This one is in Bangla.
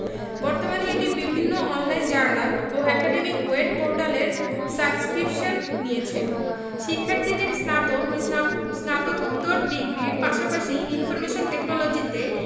বর্তমানে এটি বিভিন্ন অন লাইন জার্নাল এবং একাডেমিক ওয়েব পোর্টালের সাবস্ক্রিপশান নিয়েছে শিক্ষার্থীদের স্নাতক ও স্নাতকোত্তর ডিগ্রির পাশাপাশি ইনফরমেশন টেকনোলজিতে